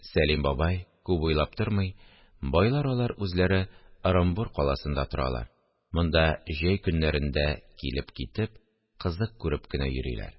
Сәлим бабай, күп уйлап тормый: – Байлар алар үзләре Оромбур каласында торалар, монда җәй көннәрендә килеп-китеп, кызык күреп кенә йөриләр